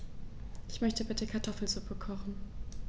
Ich möchte bitte Kartoffelsuppe kochen.